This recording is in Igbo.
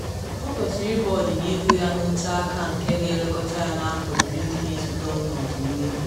Ọ kwesịrị ịbụ ọdịnihu ya n’oteaka nke ga-elekọta ya n’afọ iri ndị na esote n’ọdịnihu.